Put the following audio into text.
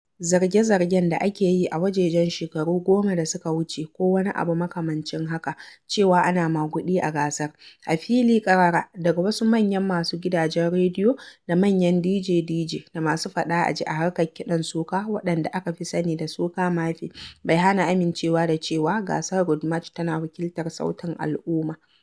Zarge-zargen da ake yi a wajejen shekaru goma da suka wuce ko wani abu makamancin haka cewa ana maguɗi a gasar - a fili ƙarara daga wasu manyan masu gidajen redio da manyan Dije-dije da masu faɗa a ji a harkar kiɗan soca waɗanda aka fi sani da "soca mafi" - bai hana amincewa da cewa gasar Road March tana wakiltar sautin al'umma.